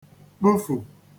kpufù